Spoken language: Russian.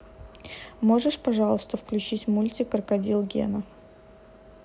можешь пожалуйста включить мультик крокодил гена